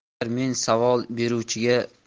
agar men savol beruvchiga